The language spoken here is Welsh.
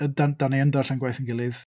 Yndan dan ni'n darllen gwaith ein gilydd.